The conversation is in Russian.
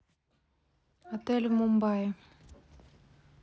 отель в мумбаи